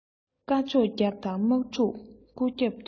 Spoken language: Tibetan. བཀའ ཤོག རྒྱབ དང དམག ཕྲུག སྐུ རྒྱབ ཏུ